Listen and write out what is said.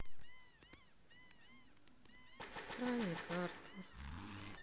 странник артур